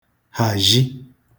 hàzhi